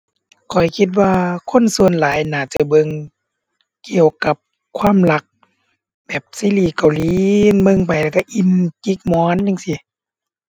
ข้อยคิดว่าคนส่วนหลายน่าจะเบิ่งเกี่ยวกับความรัก แบบซีรีส์เกาหลี เบิ่งไปแล้วก็อินจิกหมอนจั่งซี้